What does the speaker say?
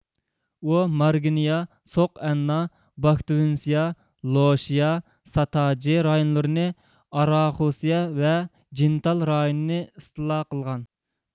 ئۇ مارگنيا سوق ئەننا باكتوۋنسىيا لوشيا ساتاجى رايونلىرىنى ئاراخوسيە ۋە جىنتال رايونىنى ئىستىلا قىلغان